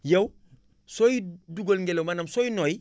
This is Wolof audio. yow sooy dugal ngelew maanaam sooy noyyi